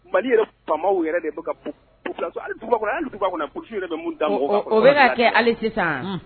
Malidi yɛrɛ faamaw yɛrɛ de yɛrɛ bɛ da kɛ sisan